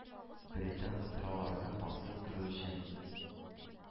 Британ утрауларына басып керү өчен...